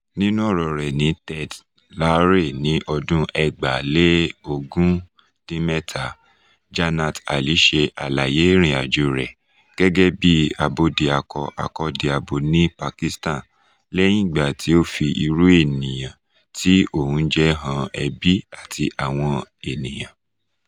Nínú ọ̀rọ̀ọ rẹ̀ ní TEDxLahore ní ọdún 2017, Jannat Ali ṣe àlàyé ìrìnàjòo rẹ̀ gẹ́gẹ́ bí abódiakọ-akọ́diabo ní Pakistan lẹ́yìn ìgbà tí ó fi irú ènìyàn tí òun ń jẹ́ han ẹbí àti àwọn ènìyàn.